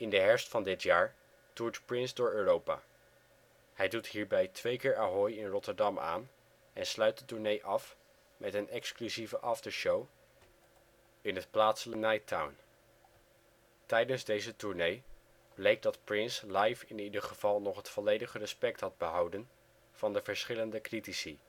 de herfst van dit jaar toert Prince door Europa. Hij doet hierbij twee keer Ahoy in Rotterdam aan en sluit de tournee af met een exclusieve aftershow in het plaatselijke Nighttown. Tijdens deze tournee bleek dat Prince live in ieder geval nog het volledige respect had behouden van de verschillende critici